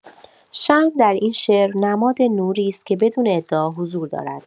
شمع در این شعر نماد نوری است که بدون ادعا حضور دارد.